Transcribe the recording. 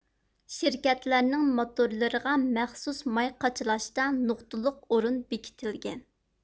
شىركەتلەرنىڭ ماتورلىرىغا مەخسۇس ماي قاچىلاشتا نۇقتىلىق ئورۇن بېكىتىلگەن